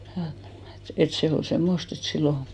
ja että se oli semmoista että silloin